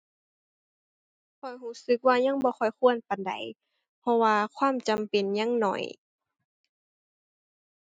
ข้อยรู้สึกว่ายังบ่ค่อยควรปานใด เพราะว่าความจำเป็นยังน้อย